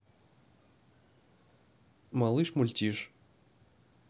малыш мультиш